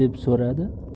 deb so'radi